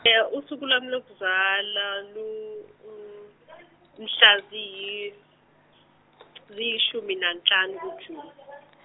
usuku lwami lokuzalwa lu- , ziyishumi nanhlanu ku- Juni.